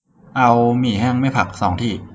เอาหมี่แห้งไม่ผักสองที่